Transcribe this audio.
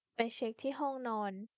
ไปเช็คที่ห้องนอน